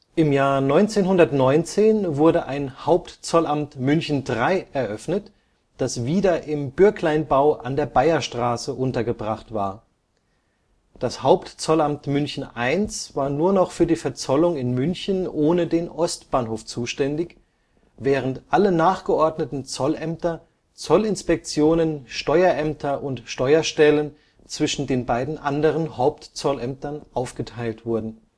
1919 wurde ein Hauptzollamt München III eröffnet, das wieder im Bürkleinbau an der Bayerstraße untergebracht war. Das Hauptzollamt München I war nur noch für die Verzollung in München ohne den Ostbahnhof zuständig, während alle nachgeordneten Zollämter, Zollinspektionen, Steuerämter und Steuerstellen zwischen den beiden anderen Hauptzollämtern aufgeteilt wurden